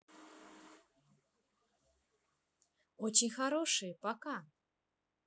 очень хорошие пока